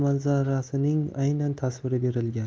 manzarasining aynan tasviri berilgan